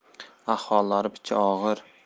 ahvollari picha og'ir